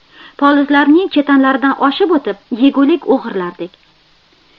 polizlarning chetanlaridan oshib o'tib yegulik o'g'irlardik